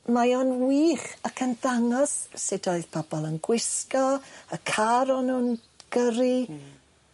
Mae o'n wych ac yn dangos sut oedd pobol yn gwisgo y car o'n nw'n gyrru. Hmm.